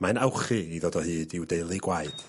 Mae'n awchi i ddod o hyd i'w deulu gwaed.